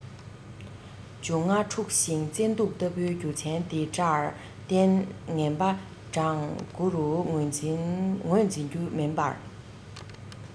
འབྱུང ལྔ འཁྲུགས ཤིང བཙན དུག ལྟ བུའི རྒྱུ མཚན དེ འདྲར བརྟེན ངན པ གྲངས དགུ རུ ངོས འཛིན རྒྱུ མིན པར